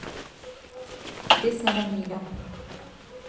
песня рамиля